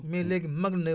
mais léegi màgg na